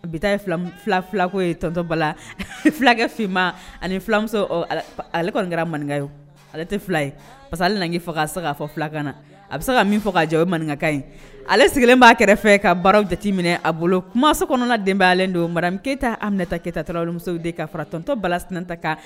Bɛ taa fila filako ye tɔntɔba filakɛma ani filamuso ale kɔni kɛra maninka ye ale tɛ fila ye parce que ale nan'i faga sa'a fɔ filakan na a bɛ se ka min fɔ k'a jɔ ye maninkaka ye ale sigilen b'a kɛrɛfɛ ka baararaw jateminɛ a bolo kumaso kɔnɔna denbaya don mara keyita amita keta tarawelemuso de ka fara tɔntɔ bala sinata kan